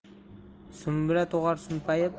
sumbula tug'ar sumpayib